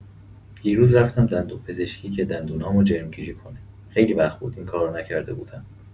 دیروز رفتم دندون‌پزشکی که دندونامو جرم‌گیری کنه، خیلی وقت بود این کارو نکرده بودم.